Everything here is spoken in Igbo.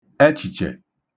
ẹchìchẹ̀